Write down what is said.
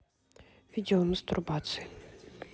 видео мастурбации